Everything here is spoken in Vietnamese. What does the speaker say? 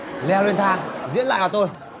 leo lên thang diễn lại cho tôi